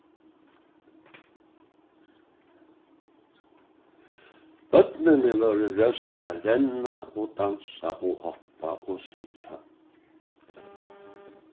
børnini vóru røsk at renna og dansa og hoppa og syngja